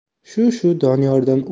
shu shu doniyordan